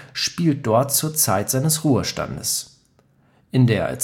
spielt dort zur Zeit seines Ruhestandes. In der